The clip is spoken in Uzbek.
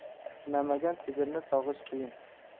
sinamagan sigirni sog'ish qiyin